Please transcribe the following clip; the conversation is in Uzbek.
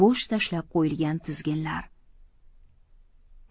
bo'sh tashlab qo'yilgan tizginlar